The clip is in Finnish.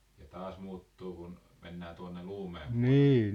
ja taas muuttuu kun mennään tuonne Luumäen puolelle